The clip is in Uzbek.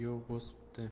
yurtni yov bosibdi